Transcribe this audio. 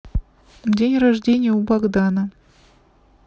день рождения у богдана